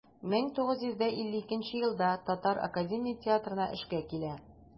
1952 елда татар академия театрына эшкә килә.